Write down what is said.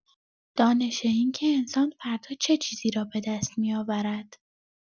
دانش اینکه انسان فردا چه چیزی را بدست می‌آورد.